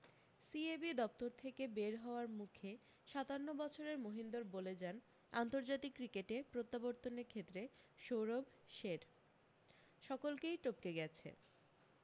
CAB দপ্তর থেকে বের হওয়ার মুখে সাতান্ন বছরের মহিন্দর বলে যান আন্তর্জাতিক ক্রিকেটে প্রত্যাবর্তনের ক্ষেত্রে সৌরভ শেঠ সকলকেই টপকে গেছে